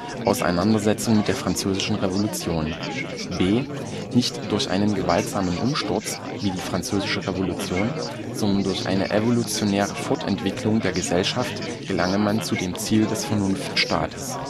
Auseinandersetzung mit der Französischen Revolution Nicht durch einen gewaltsamen Umsturz (Französische Revolution), sondern durch eine evolutionäre Fortentwicklung (langsame Höherentwicklung) der Gesellschaft gelange man zu dem Ziel des Vernunftstaates